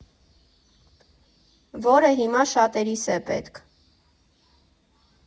Որը հիմա շատերիս է պետք։